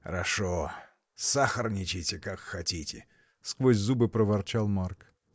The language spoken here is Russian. — Хорошо, сахарничайте, как хотите! — сквозь зубы проворчал Марк.